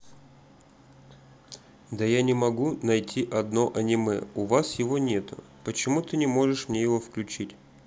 да я не могу найти одно аниме у вас его нету почему ты не можешь мне его включить